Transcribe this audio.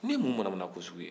nin ye mun mana mana ko sugu ye